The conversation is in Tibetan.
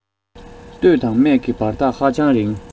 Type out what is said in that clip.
སྟོད དང སྨད ཀྱི བར ཐག ཧ ཅང རིང